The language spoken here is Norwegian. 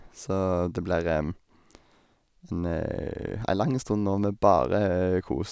Så det blir sånn ha ei lang stund nå med bare kos.